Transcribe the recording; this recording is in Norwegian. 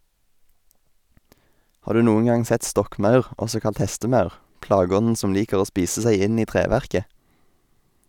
Har du noen gang sett stokkmaur, også kalt hestemaur, plageånden som liker å spise seg inn i treverket?